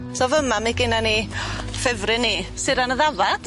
So fy' 'ma mae gennon ni ffefryn i. Suran y ddafad.